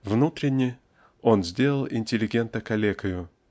внутренне--он сделал интеллигента калекою